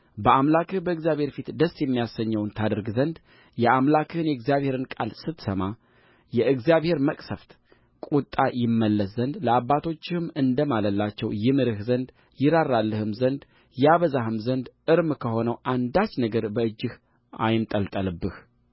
በአምላክህ በእግዚአብሔር ፊት ደስ የሚያሰኘውን ታደርግ ዘንድ የአምላክህን የእግዚአብሔርን ቃል ስትሰማ የእግዚአብሔር መቅሠፍት ቍጣ ይመለስ ዘንድ ለአባቶችህም እንደ ማለላቸው ይምርህ ዘንድ ይራራልህም ዘንድ ያበዛህም ዘንድ እርም ከሆነው አንዳች ነገር በእጅህ አይንጠልጠልብህ